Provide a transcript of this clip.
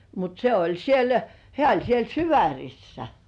mutta se oli siellä hän oli siellä Syvärissä